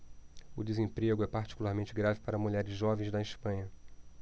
o desemprego é particularmente grave para mulheres jovens na espanha